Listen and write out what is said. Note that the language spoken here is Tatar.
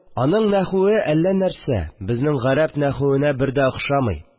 Аның нәхүе, әллә нәрсә, безнең гарәп нәхүенә бер дә охшамый